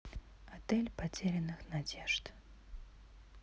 отель потерянных надежд